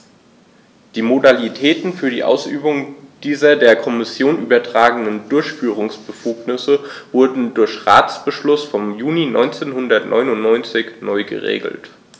Die Modalitäten für die Ausübung dieser der Kommission übertragenen Durchführungsbefugnisse wurden durch Ratsbeschluss vom Juni 1999 neu geregelt.